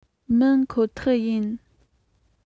མིན ཁོ ཐག རེད